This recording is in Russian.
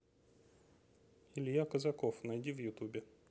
илья казаков найди в ютубе